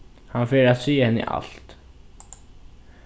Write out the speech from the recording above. hann fer at siga henni alt